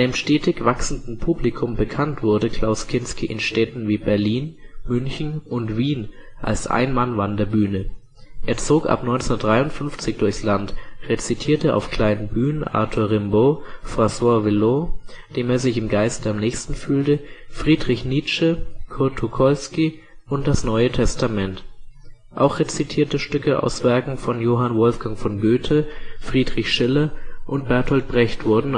stetig wachsenden Publikum bekannt wurde Klaus Kinski in Städten wie Berlin, München und Wien als „ Ein-Mann – Wanderbühne “. Er zog ab 1953 durchs Land, rezitierte auf kleinen Bühnen Arthur Rimbaud, François Villon (dem er sich im Geiste am nächsten fühlte), Friedrich Nietzsche, Kurt Tucholsky und das Neue Testament. Auch rezitierte Stücke aus Werken von Johann Wolfgang von Goethe, Friedrich Schiller und Bertolt Brecht wurden